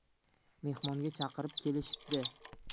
mehmonga chaqirib kelishibdi